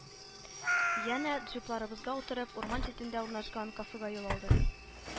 Янә джипларыбызга утырып, урман читендә урнашкан кафега юл алдык